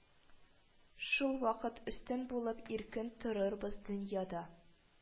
Шул вакыт өстен булып, иркен торырбыз дөньяда,